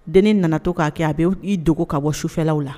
Dennin nana to k'a kɛ a bɛ' dogo ka bɔ sufɛlaw la